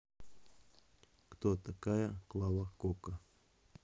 кто такая клава кока